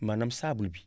maanaam sable bi